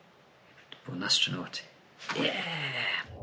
Bo yn astronaut. Ie!